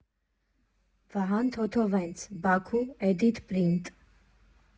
Վահան Թոթովենց, «Բաքու», Էդիթ Պրինտ։